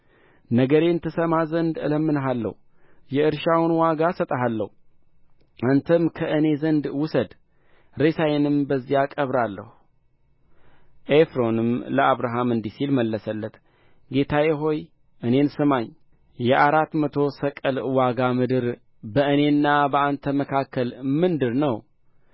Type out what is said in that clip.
ነገሬን ትሰማ ዘንድ እለምንሃለሁ የእርሻውን ዋጋ እሰጥሃለሁ አንተም ከእኔ ዘንድ ውሰድ ሬሳዬንም በዚያ እቀብራለሁ ኤፍሮንም ለአብርሃም እንዲህ ሲል መለሰለት ጌታዬ ሆይ እኔን ስማኝ የአራት መቶ ሰቅል ዋጋ ምድር በእኔና በአንተ መካክለ ምንድር ነው